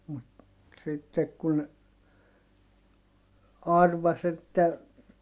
mutta sitten kun arvaisi että